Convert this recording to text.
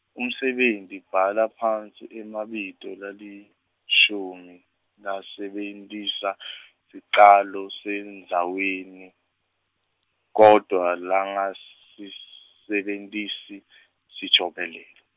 umsebenti, Bhala phasi emabito lalishumi lasebentisa , sicalo sandzaweni, kodvwa langasisebentisi, sijobelelo.